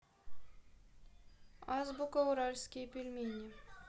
азбука уральские пельмени